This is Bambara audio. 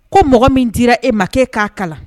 Ko mɔgɔ min dira e ma kɛ e k'a kalan